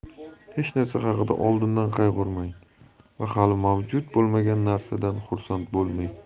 hech narsa haqida oldindan qayg'urmang va hali mavjud bo'lmagan narsadan xursand bo'lmang